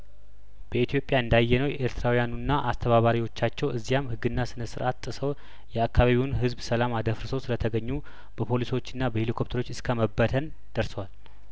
በኢትዮጵያ እንዳ የነው ኤርትራውያኑና አስተባባሪዎቻቸው እዚያም ህግና ስነ ስርአት ጥሰው የአካባቢውን ህዝብ ሰላም አደፍ ርሰው ስለተገኙ በፖሊሶችና በሄሊኮፕተሮች እስከመበተን ደርሰዋል